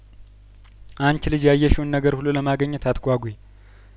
የሰርጉ አንቺ ልጅ ያየሽውን ነገር ሁሉ ለማግኘት አትጓጉ ወጥ ኩችም ተደርጐ ነው የተሰራው